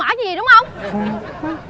hông